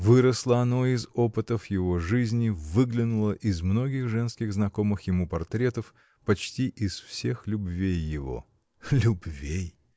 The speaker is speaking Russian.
Выросло оно из опытов его жизни, выглянуло из многих женских знакомых ему портретов, почти из всех любвей его. Любвей!